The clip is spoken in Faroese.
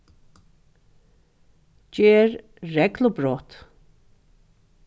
ger reglubrot